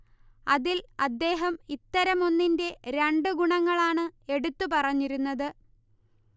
അതിൽ അദ്ദേഹം ഇത്തരം ഒന്നിന്റെ രണ്ട് ഗുണങ്ങളാണ് എടുത്തു പറഞ്ഞിരുന്നത്